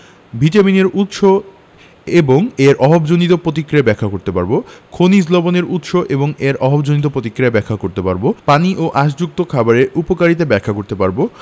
ভিটামিনের উৎস এবং এর অভাবজনিত প্রতিক্রিয়া ব্যাখ্যা করতে পারব খনিজ লবণের উৎস এবং এর অভাবজনিত প্রতিক্রিয়া ব্যাখ্যা করতে পারব পানি ও আশযুক্ত খাবারের উপকারিতা বর্ণনা করতে পারব